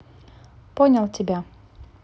понял тебя